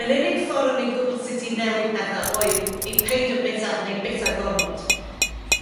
Yr unig ffor o'n i'n gwbo' sut i newid petha oedd i peidio bita neu bita gormod.